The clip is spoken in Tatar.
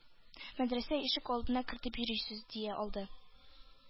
Мәдрәсә ишек алдына кертеп йөрисез? дия алды.